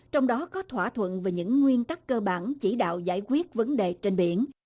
trong đó có thỏa thuận về những nguyên tắc cơ bản chỉ đạo giải quyết vấn đề trên biển